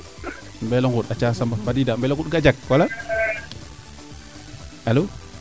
Mbaelongout aca Samba fadiida Mbelongoutt Gandiack wala alo